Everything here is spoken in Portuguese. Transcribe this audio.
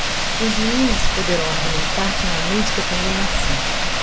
os juízes poderão argumentar que na música também é assim